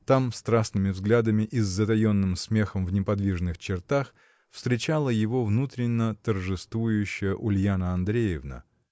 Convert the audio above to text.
Там, страстными взглядами и с затаенным смехом в неподвижных чертах, встречала его внутренно торжествующая Ульяна Андреевна.